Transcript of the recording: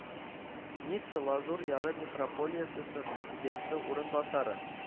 Ницца Лазур яры метрополиясесы президенты урынбасары